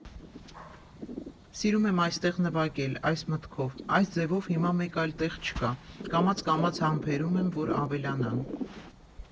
Սիրում եմ այստեղ նվագել, այս մտքով, այս ձևով հիմա մեկ այլ տեղ չկա, կամաց֊կամաց համբերում եմ, որ ավելանան։